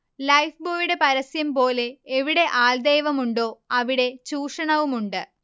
ലൈഫ്ബോയിയുടെ പരസ്യംപോലെ എവിടെ ആൾദൈവമുണ്ടോ അവിടെ ചൂഷണവുമുണ്ട്